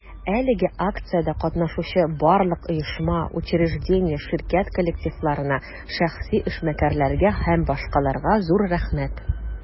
Әлеге акциядә катнашучы барлык оешма, учреждение, ширкәт коллективларына, шәхси эшмәкәрләргә һ.б. зур рәхмәт!